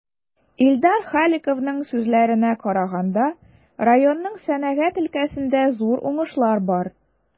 Илдар Халиковның сүзләренә караганда, районның сәнәгать өлкәсендә зур уңышлары бар.